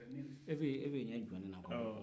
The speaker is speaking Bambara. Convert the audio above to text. e b'i ɲɛ jɔ ne la kuwa